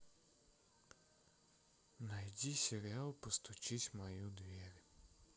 найди сериал постучись в мою дверь